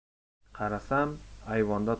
qarasam ayvonda toy